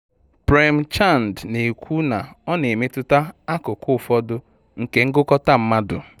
Prem Chand na-ekwu na ọ na-emetụta akụkụ ụfọdụ nke ngụkọta mmadụ: